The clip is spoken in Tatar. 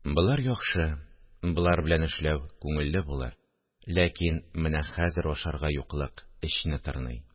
Болар яхшы, болар белән эшләү күңелле булыр, ләкин менә хәзер ашарга юклык эчне тырный